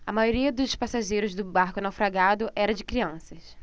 a maioria dos passageiros do barco naufragado era de crianças